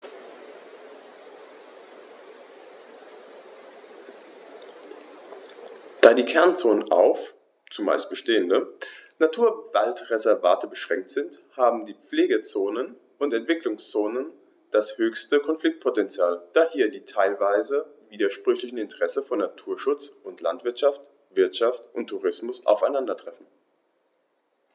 Da die Kernzonen auf – zumeist bestehende – Naturwaldreservate beschränkt sind, haben die Pflegezonen und Entwicklungszonen das höchste Konfliktpotential, da hier die teilweise widersprüchlichen Interessen von Naturschutz und Landwirtschaft, Wirtschaft und Tourismus aufeinandertreffen.